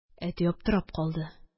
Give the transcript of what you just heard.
Әти аптырап калды.